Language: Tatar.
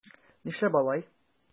Нишләп алай?